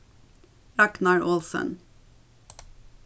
ragnar olsen